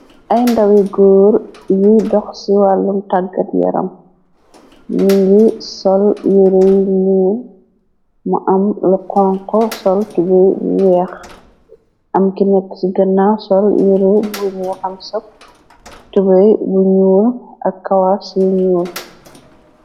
Ay ndawi goor yi dox ci wàllu tàggat yaram, ni ngi sol yerey nuul mu am lu xonxo, sol tubey weex , am ki nekka ci gënna sol yere bu neexam sol tubey bu ñuul ak kawar ci ñuul.